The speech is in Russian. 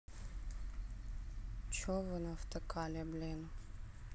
че вы натыкали блин